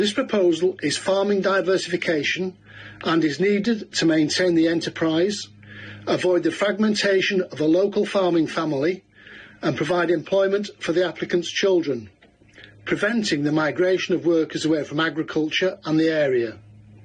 This proposal is farming diversification and is needed to maintain the enterprise, avoid the fragmentation of a local farming family, and provide employment for the applicant's children, preventing the migration of workers away from agriculture and the area.